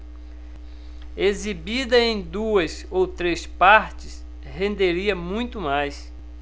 exibida em duas ou três partes renderia muito mais